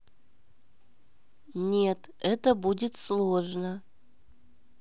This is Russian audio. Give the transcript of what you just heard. нет это будет сложно